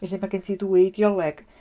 Felly mae gen ti ddwy ideoleg...